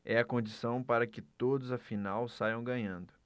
é a condição para que todos afinal saiam ganhando